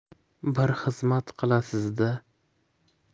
bir xizmat qilasizda